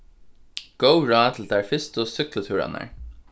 góð ráð til teir fyrstu súkklutúrarnar